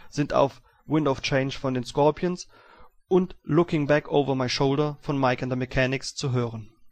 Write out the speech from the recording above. sind auf " Wind of Change " (Scorpions) und " Looking Back Over My Shoulder " (Mike and the Mechanics) zu hören